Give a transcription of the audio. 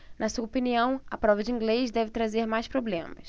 na sua opinião a prova de inglês deve trazer mais problemas